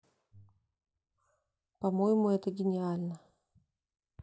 по моему это гениально